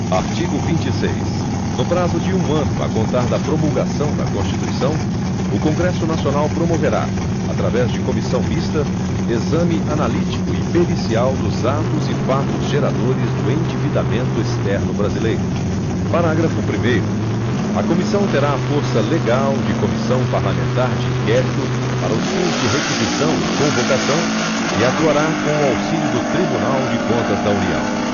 artigo vinte e seis no prazo de um ano a contar da promulgação da constituição o congresso nacional promoverá através de comissão mista exame analítico e pericial dos atos e fatos geradores do endividamento externo brasileiro parágrafo primeiro a comissão terá a força legal de comissão parlamentar de inquérito para os fins de requisição e convocação e atuará com o auxílio do tribunal de contas da união